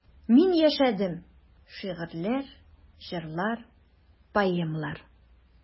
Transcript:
Мин яшәдем: шигырьләр, җырлар, поэмалар.